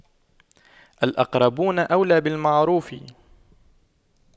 الأقربون أولى بالمعروف